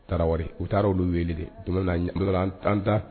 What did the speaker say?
Tarawere u taara olu weele de tumana an ɲe dondola an t an ta